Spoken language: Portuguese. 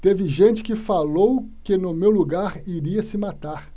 teve gente que falou que no meu lugar iria se matar